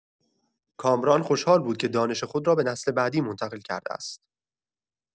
کامران خوشحال بود که دانش خود را به نسل بعدی منتقل کرده است.